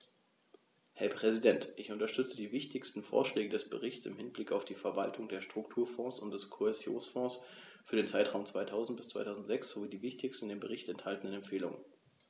Herr Präsident, ich unterstütze die wichtigsten Vorschläge des Berichts im Hinblick auf die Verwaltung der Strukturfonds und des Kohäsionsfonds für den Zeitraum 2000-2006 sowie die wichtigsten in dem Bericht enthaltenen Empfehlungen.